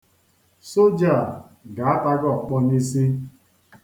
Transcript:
Soja a ga-ata gị ọkpọ n'isi.